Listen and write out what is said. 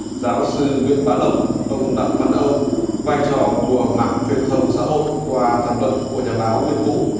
giáo sư nguyễn bá lộc ông đặng văn âu vai trò của mạng truyền thông xã hội qua tham luận của nhà báo uyên vũ